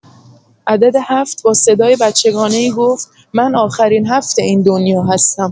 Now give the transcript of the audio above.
عدد ۷ با صدای بچگانه‌ای گفت: - «من آخرین ۷ این دنیا هستم!»